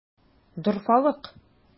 Дорфалык!